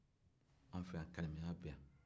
an fɛ yan kanimɛya bɛ yan